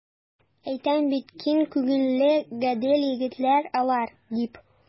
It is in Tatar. Әйтәм бит, киң күңелле, гадел егетләр алар, дип.